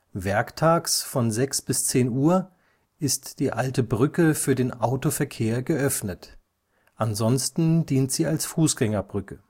Werktags von 6 bis 10 Uhr ist die Alte Brücke für den Autoverkehr geöffnet, ansonsten dient sie als Fußgängerbrücke